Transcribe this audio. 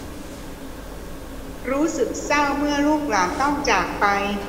รู้สึกเศร้าเมื่อลูกหลานต้องจากไป